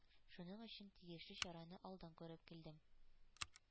Шуның өчен тиешле чараны алдан күреп килдем,